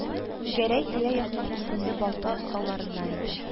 Гәрәй тирә-якның исемле балта осталарыннан иде